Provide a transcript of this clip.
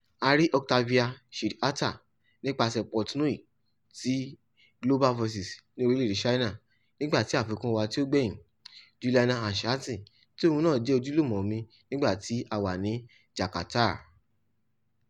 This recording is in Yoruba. A rí Oktavia Sidharta nípasẹ̀ Portnoy ti Global Voices ní orílẹ̀ èdè China, nígbà tí àfikún wa tí ó gbẹ́yìn, Juliana Harsianti, tí òun náà jẹ́ ojúlùmọ̀ mi nígbà tí a wà ní Jakarta.